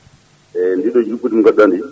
eyyi ndiɗo juɓɓudi ndi mbaɗɗa ndi